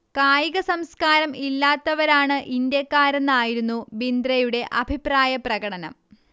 കായികസംസ്കാരം ഇല്ലാത്തവരാണ് ഇന്ത്യക്കാരെന്ന് ആയിരുന്നു ബിന്ദ്രയുടെ അഭിപ്രായ പ്രകടനം